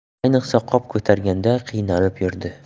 ayniqsa qop ko'targanda qiynalib yurdi